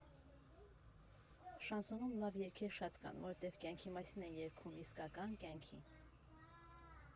Շանսոնում լավ երգեր շատ կան, որտև կյանքի մասին են երգում, իսկական կյանքի։